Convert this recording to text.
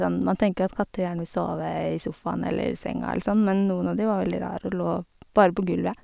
Sånn, man tenker jo at katter gjerne vil sove i sofaen eller senga eller sånn, men noen av de var veldig rare og lå bare på gulvet.